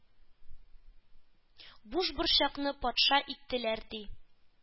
— бушборчакны патша иттеләр, ди.